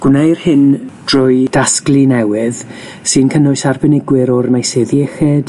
Gwneir hyn drwy dasglu newydd sy'n cynnwys arbenigwyr o'r meysydd iechyd,